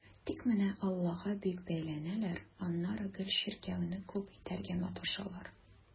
Тик менә аллага бик бәйләнәләр, аннары гел чиркәүне клуб итәргә маташалар.